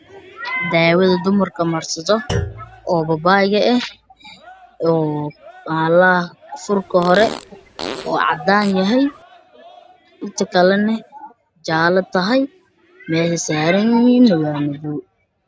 Waa kareemo ay dumarka marsadaan waxaana ku sawiran babaay furka waa cadaan baashu waa jaal